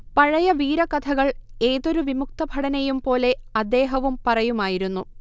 പഴയ വീരകഥകൾ ഏതൊരു വിമുക്തഭടനെയുംപോലെ അദ്ദേഹവും പറയുമായിരുന്നു